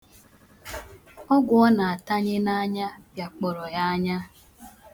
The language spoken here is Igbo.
Ọgwụ ọ na-atanye n' anya pịakpọrọ ya anya